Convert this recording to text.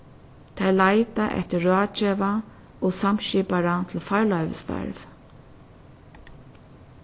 tey leita eftir ráðgeva og samskipara til farloyvisstarv